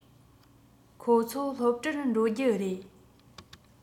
ཁོ ཚོ སློབ གྲྭར འགྲོ རྒྱུ རེད